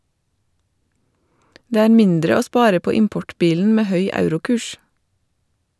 Det er mindre å spare på importbilen med høy eurokurs.